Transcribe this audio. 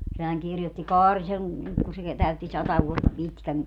sehän kirjoitti Kaari sen kun se täytti sata vuotta pitkän